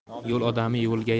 yo'l odami yo'lga